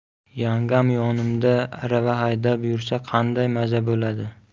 yangam yonimda arava haydab yursa qanday maza bo'ladi